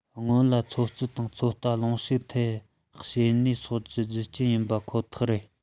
སྔོན ལ ཚོད རྩིས དང ཚོད ལྟ རླུང ཤུགས ཐེབས བྱེད ནུས སོགས ཀྱི རྒྱུ རྐྱེན ཡིན པ ཁོ ཐག རེད